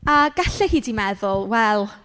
A gallech chi 'di meddwl wel...